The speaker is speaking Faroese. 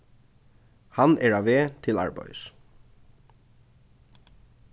hann er á veg til arbeiðis